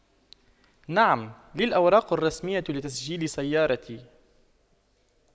نعم لي الأوراق الرسمية لتسجيل سيارتي